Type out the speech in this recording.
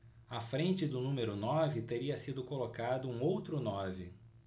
à frente do número nove teria sido colocado um outro nove